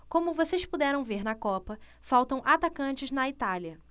como vocês puderam ver na copa faltam atacantes na itália